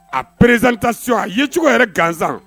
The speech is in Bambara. A présentation a ye cogo yɛrɛ gansan